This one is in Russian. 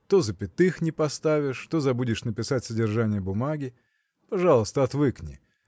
то запятых не поставишь, то забудешь написать содержание бумаги. Пожалуйста, отвыкни